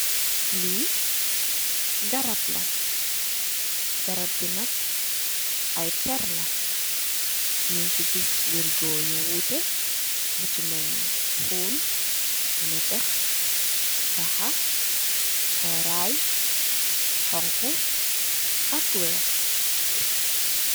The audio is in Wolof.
Lii garap la, garap bi nak ay peer la. Ñiñ ci gis wirgo yu wuteh bu ci melni xun, natax, baxa, xoray, xonxu ak wèèx.